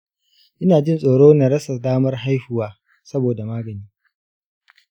ina jin tsoro na rasa damar haihuwa saboda magani.